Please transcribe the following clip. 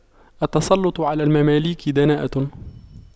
التسلُّطُ على المماليك دناءة